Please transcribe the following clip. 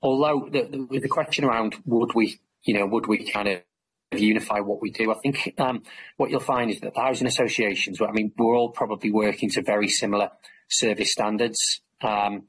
Although that the... With the question around would we you know would we kind of unify what we do, I think erm what you'll find is that the housing associations, what I mean we're all probably working to very similar service standards, erm.